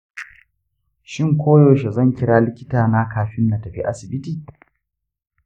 shin koyaushe zan kira likitana kafin na tafi asibiti?